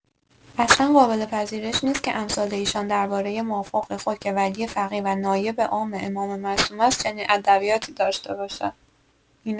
اصلا قابل پذیریش نیست که امثال ایشان درباره مافوق خود که ولی‌فقیه و نایب عام امام معصوم است چنین ادبیاتی داشته باشد.